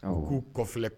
U k'u kɔlɛ